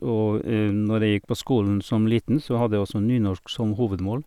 Og når jeg gikk på skolen som liten, så hadde jeg også nynorsk som hovedmål.